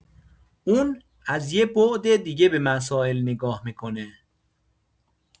اون از یه بعد دیگه به مسائل نگاه می‌کنه